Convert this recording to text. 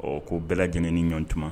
Ɔ ko bɛɛ lajɛlen ni ɲɔntuma